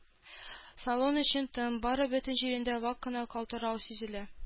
Салон эче тын, бары бөтен җирендә вак кына калтырау сизелә